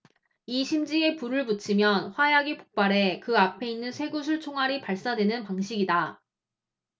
이 심지에 불을 붙이면 화약이 폭발해 그 앞에 있는 쇠구슬 총알이 발사되는 방식이다